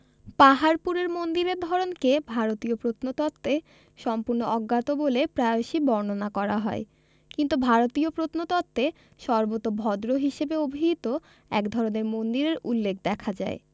পাহাড়পুরের মন্দিরের ধরনকে ভারতীয় প্রত্নতত্ত্বে সম্পূর্ণ অজ্ঞাত বলে প্রায়শই বর্ণনা করা হয় কিন্তু ভারতীয় প্রত্নতত্ত্বে সর্বোতভদ্র হিসেবে অভিহিত এক ধরনের মন্দিরের উল্লেখ দেখা যায়